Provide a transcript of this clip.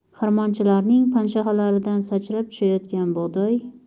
xirmonchilarning panshaxalaridan sachrab tushayotgan bug'doy